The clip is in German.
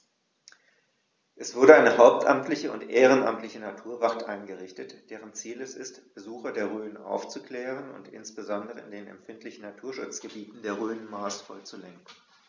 Es wurde eine hauptamtliche und ehrenamtliche Naturwacht eingerichtet, deren Ziel es ist, Besucher der Rhön aufzuklären und insbesondere in den empfindlichen Naturschutzgebieten der Rhön maßvoll zu lenken.